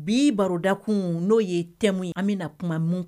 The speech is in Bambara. Bi baroda kun n'o ye te ye an bɛ na kuma min